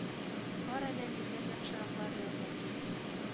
Бар әнә миннән яхшыраклар янына кит